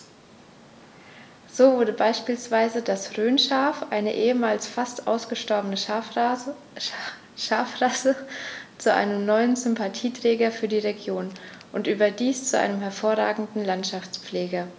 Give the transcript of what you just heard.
So wurde beispielsweise das Rhönschaf, eine ehemals fast ausgestorbene Schafrasse, zu einem neuen Sympathieträger für die Region – und überdies zu einem hervorragenden Landschaftspfleger.